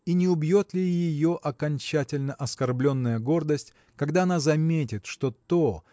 И не убьет ли ее окончательно оскорбленная гордость когда она заметит что то